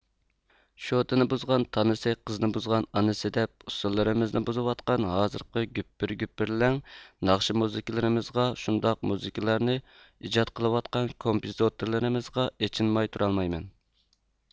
شوتىنى بۇزغان تانىسى قىزنى بۇزغان ئانىسى دەپ ئۇسسۇللىرىمىزنى بۇزۇۋاتقان ھازىرقى گۈپۈر گۈپۈرلەڭ ناخشا مۇزىكىلىرىمىزغا شۇنداق مۇزىكىلارنى ئىجاد قىلىۋاتقان كومپىزوتۇرلىرىمىزغا ئېچىنماي تۇرالمايمەن